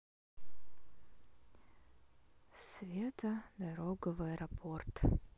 света дорога в аэропорт